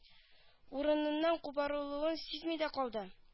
Урыныннан кубарылуын сизми дә калды